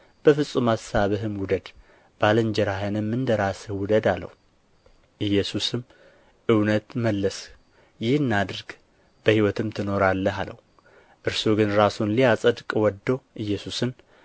በፍጹም አሳብህም ውደድ ባልንጀራህንም እንደ ራስህ ውደድ አለው ኢየሱስም እውነት መለስህ ይህን አድርግ በሕይወትም ትኖራለህ አለው እርሱ ግን ራሱን ሊያጸድቅ ወድዶ ኢየሱስን